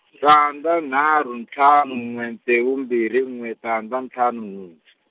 tandza nharhu ntlhanu n'we ntsevu mbirhi n'we tandza ntlhanu nhu- .